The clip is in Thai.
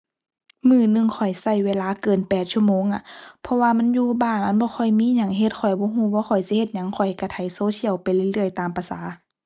มื้อหนึ่งข้อยใช้เวลาเกินแปดชั่วโมงอะ เพราะว่ามันอยู่บ้านมันบ่ค่อยมีหยังเฮ็ด ข้อยบ่ใช้ว่าข้อยสิเฮ็ดหยัง ข้อยใช้ไถโซเชียลไปเรื่อยเรื่อยตามประสา